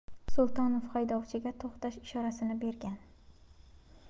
sultonov haydovchiga to'xtash ishorasini bergan